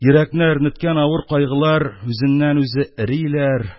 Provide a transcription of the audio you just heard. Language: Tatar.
Йөрәкне әрнеткән авыр кайгылар үзеннән-үзе эриләр,